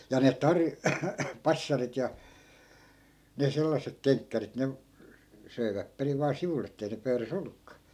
ja ne - passarit ja ne sellaiset kenkkärit ne söivät perin vain sivulla että ei ne pöydässä ollutkaan